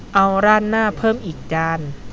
เอาราดหน้าเพิ่มอีกจาน